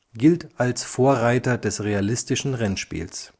gilt als Vorreiter des realistischen Rennspiels